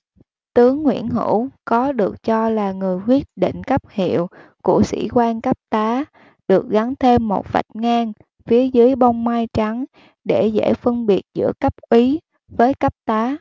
tướng nguyễn hữu có được cho là người quyết định cấp hiệu của sĩ quan cấp tá được gắn thêm một vạch ngang phía dưới bông mai trắng để dễ phân biệt giữa cấp úy với cấp tá